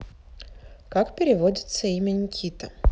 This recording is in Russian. как переводится имя никита